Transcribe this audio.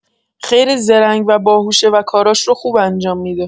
خیلی زرنگ و باهوشه و کاراش رو خوب انجام می‌ده